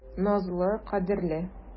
Назлы, кадерле.